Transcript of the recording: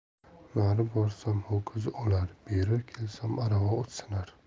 nari borsam ho'kiz o'lar beri kelsam arava sinar